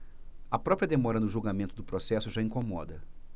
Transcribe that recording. a própria demora no julgamento do processo já incomoda